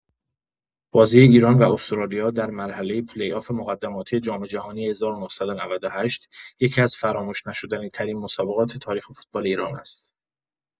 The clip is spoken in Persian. بازی ایران و استرالیا در مرحله پلی‌آف مقدماتی جام‌جهانی ۱۹۹۸ یکی‌از فراموش‌نشدنی‌ترین مسابقات تاریخ فوتبال ایران است.